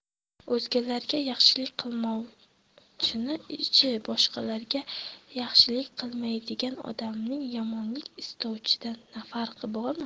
o'zgalarga yaxshilik qilmovchini chi boshqalarga yaxshilik qilmaydigan odamning yomonlik istovchidan farqi bormi